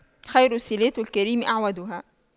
خير صِلاتِ الكريم أَعْوَدُها